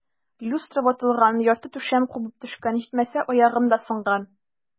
Люстра ватылган, ярты түшәм кубып төшкән, җитмәсә, аягым да сынган.